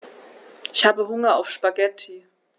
Ich habe Hunger auf Spaghetti.